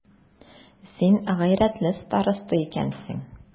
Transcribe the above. Син гайрәтле староста икәнсең.